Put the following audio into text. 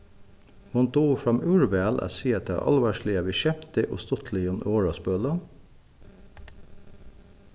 hon dugir framúr væl at siga tað álvarsliga við skemti og stuttligum orðaspølum